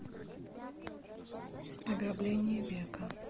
ограбление века